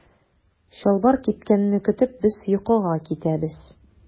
Чалбар кипкәнне көтеп без йокыга китәбез.